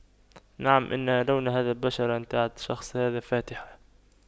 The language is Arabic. نعم ان لون هذا البشرة الشخص هذا فاتحة